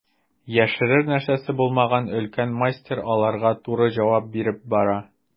Яшерер нәрсәсе булмаган өлкән мастер аларга туры җавап биреп бара.